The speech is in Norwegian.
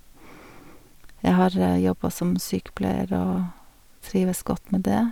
Jeg har jobba som sykepleier og trives godt med det.